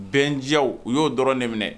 Bɛnjaw, u y'o dɔrɔn de minɛ.